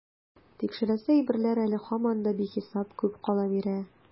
Тикшерәсе әйберләр әле һаман да бихисап күп кала бирә.